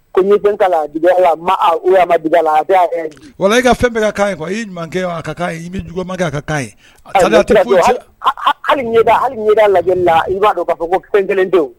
Ko ka wa e ka fɛn ka kan fɔ ye'i ɲumankɛ a ka i bɛma kɛ a ka ye lajɛ la i b'a b'a fɔ ko fɛn kelen don